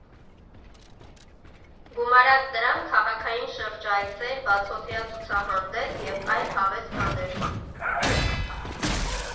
Գումարած դրան՝ քաղաքային շրջայցեր, բացօթյա ցուցահանդես և այլ հավես բաներ։